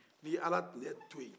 n'i ye ala tinɛ to yen